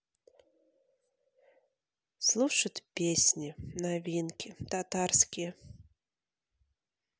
слушать песни новинки татарские